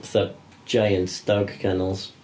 Fatha giant dog kennels.